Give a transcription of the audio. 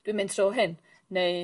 dwi'n mynd trw hyn neu...